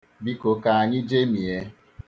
Biko ka anyị jemie.